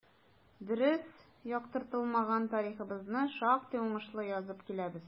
Дөрес яктыртылмаган тарихыбызны шактый уңышлы язып киләбез.